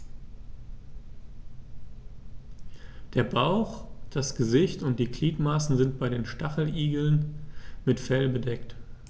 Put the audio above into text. Der Bauch, das Gesicht und die Gliedmaßen sind bei den Stacheligeln mit Fell bedeckt.